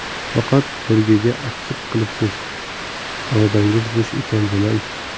faqat burgaga achchiq qilibsiz irodangiz bo'sh ekan demang